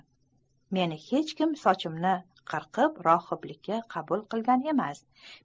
meni hech kim sochimni qirqib rohiblikka qabul qilgan emas